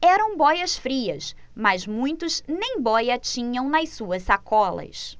eram bóias-frias mas muitos nem bóia tinham nas suas sacolas